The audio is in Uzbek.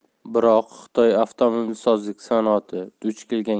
biroq xitoy avtomobilsozlik sanoati duch kelgan yangi